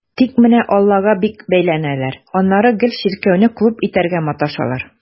Тик менә аллага бик бәйләнәләр, аннары гел чиркәүне клуб итәргә маташалар.